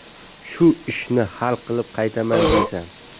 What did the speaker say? shu ishni hal qilib qaytaman deysan